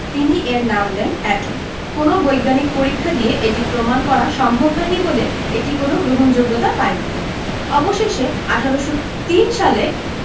তিনি এর নাম দেন এটম কোনো বৈজ্ঞানিক পরীক্ষা দিয়ে এটি প্রমাণ করা সম্ভব হয়নি বলে এটি কোনো গ্রহণযোগ্যতা পায়নি অবশেষে ১৮০৩ সালে